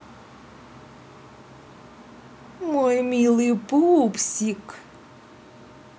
мой милый пупсик